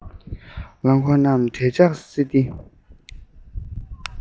རླངས འཁོར རྣམས དལ འཇགས སེ བསྡད